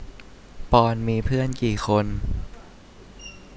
ปอนด์มีเพื่อนกี่คน